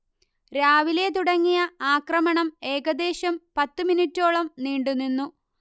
രാവിലെ തുടങ്ങിയ ആക്രമണം ഏകദേശം പത്തുമിനിട്ടോളം നീണ്ടു നിന്നു